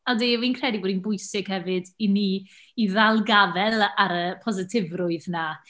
Ydi, fi'n credu bod hi'n bwysig hefyd i ni i ddal gafael ar y positifrwydd 'na.